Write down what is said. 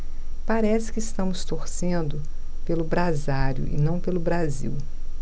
parece que estamos torcendo pelo brasário e não pelo brasil